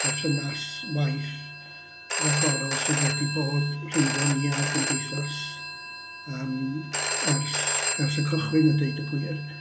Berthynas waith ragorol sydd wedi bod rhyngddon ni a'r gymdeithas yym ers ers y cychwyn a deud y gwir.